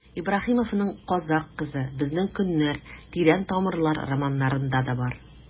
Ибраһимовның «Казакъ кызы», «Безнең көннәр», «Тирән тамырлар» романнарында да бар.